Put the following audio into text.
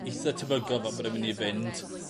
itha tebygol fel bod e'n myn' i fynd